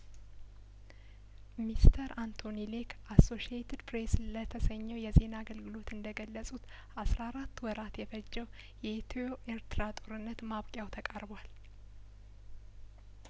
ሚስተር አንቶኒ ሌክ አሶሺ የት ፕሬስ ለተሰኘው የዜና አገልግሎት እንደገለጹት አስራ አራት ወራት የፈጀው የኢትዮ ኤርትራ ጦርነት ማብቂያው ተቃርቧል